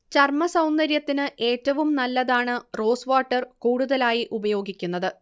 ചർമ്മ സൗന്ദര്യത്തിന് ഏറ്റവും നല്ലതാണ് റോസ് വാട്ടർ കൂടുതലായി ഉപയോഗിക്കുന്നത്